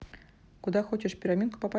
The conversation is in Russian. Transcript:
куда хочешь пирамидку попасть